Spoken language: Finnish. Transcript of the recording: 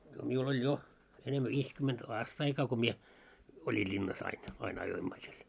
no minulla oli jo enemmän viisikymmentä aastaikaa kun minä oli linnassa aina aina ajoimme siellä